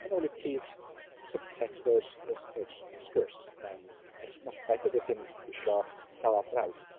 Yn ôl i prif subtext yr yr s- yr yr sgwrs yym perchnogaeth ydy'r thing dwi isio gael ar draws.